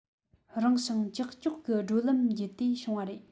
རིང ཞིང ཀྱག ཀྱོག གི བགྲོད ལམ བརྒྱུད དེ བྱུང བ རེད